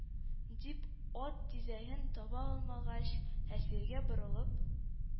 - дип, ат тизәген таба алмагач, әсиргә борылып,